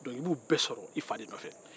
donc i b'u bɛɛ de sɔrɔ i fa de nɔfɛ